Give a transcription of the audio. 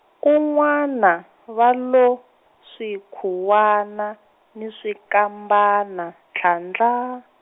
kun'wana, va lo, swikhuwana, ni swikambana tlhandla.